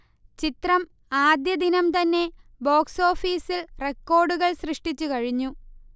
ചിത്രം ആദ്യദിനം തന്നെ ബോക്സ്ഓഫീസിൽ റെക്കോർഡുകൾ സൃഷ്ടിച്ച് കഴിഞ്ഞു